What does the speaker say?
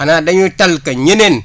xanaa dañuy tànn kay ñeneen